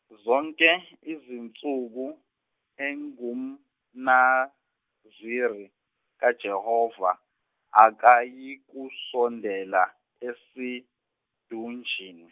zonke izinsuku enguMnaziri kaJehova akayikusondela esidunjini.